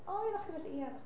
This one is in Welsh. O ia, oeddech chdi medru, ia.